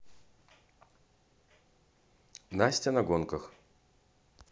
настя на гонках